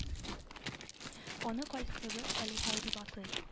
Аны кайсыгыз алиһәй дип атады